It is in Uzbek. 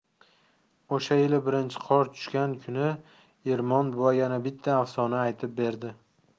o'sha yili birinchi qor tushgan kuni ermon buva yana bitta afsona aytib berdi